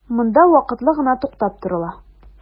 Монда вакытлы гына туктап торыла.